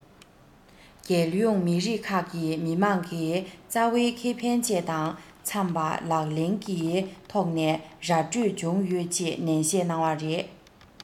རྒྱལ ཡོངས མི རིགས ཁག གི མི དམངས ཀྱི རྩ བའི ཁེ ཕན བཅས དང འཚམས པ ལག ལེན གྱི ཐོག ནས ར འཕྲོད བྱུང ཡོད ཅེས ནན བཤད གནང བ རེད